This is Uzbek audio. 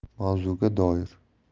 mavzuga doir